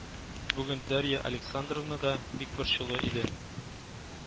Бүген Дарья Александровна да бик борчулы иде